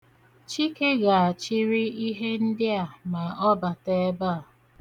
Chike ga-achịrị ihe ndị a ma ọbata ebe a.